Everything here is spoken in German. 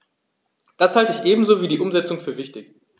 Das halte ich ebenso wie die Umsetzung für wichtig.